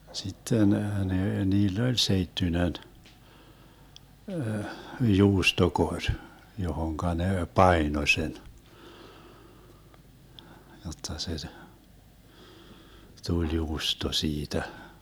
sitten ne niillä oli seittyinen juustokori johon ne painoi sen jotta se tuli juusto siitä